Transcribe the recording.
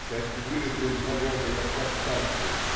Часть вылезла из вагона и пошла к станции.